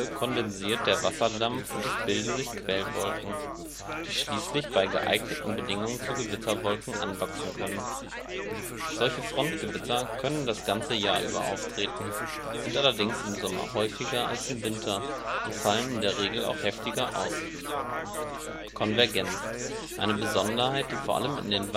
kondensiert der Wasserdampf und es bilden sich Quellwolken, die schließlich bei geeigneten Bedingungen zu Gewitterwolken anwachsen können. Solche Frontgewitter können das ganze Jahr über auftreten, sind allerdings im Sommer häufiger als im Winter und fallen in der Regel auch heftiger aus. Konvergenz Eine Besonderheit, die vor allem in